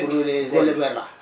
pour les éleveurs là